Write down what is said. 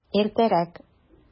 Иртәрәк!